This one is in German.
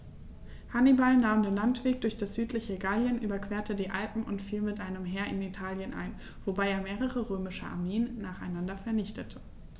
Hannibal nahm den Landweg durch das südliche Gallien, überquerte die Alpen und fiel mit einem Heer in Italien ein, wobei er mehrere römische Armeen nacheinander vernichtete.